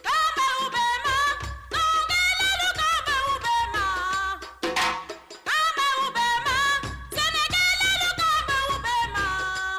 Sokɛ bɛ ma wa ka ba bɛ ba nk bɛ ma tile ka bɛ ba